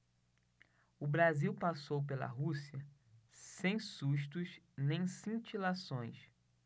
o brasil passou pela rússia sem sustos nem cintilações